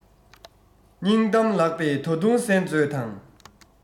སྙིང གཏམ ལགས པས ད དུང གསན མཛོད དང